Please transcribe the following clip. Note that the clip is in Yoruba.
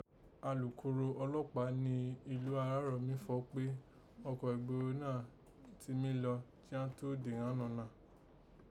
Alukoro ọlọ́pàá ni ìlú Arárọ̀mí fọ̀ọ́ pé ọkọ̀ ìgbóghó náà ti mí lọ jí àán tó dè ghán nọ̀nà